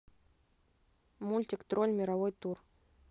мультик тролль мировой тур